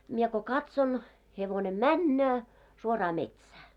minä kun katson hevonen menee suoraan metsään